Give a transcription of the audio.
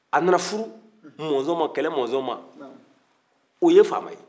a nana furu mɔzɔn ma kɛlɛ mɔzɔn ma o ye faama ye